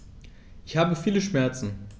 Ich habe viele Schmerzen.